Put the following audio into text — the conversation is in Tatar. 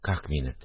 – как мин «эт»